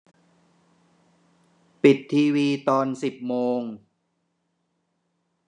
ปิดทีวีตอนสิบโมง